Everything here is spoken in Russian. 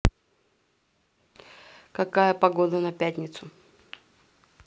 какая погода на пятницу